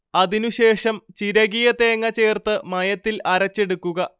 അതിനുശേഷം ചിരകിയ തേങ്ങ ചേർത്ത് മയത്തിൽ അരച്ചെടുക്കുക